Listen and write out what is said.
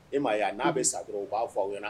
E m maa'a n'a bɛ sa dɔrɔn u b'a fɔ aw ɲɛna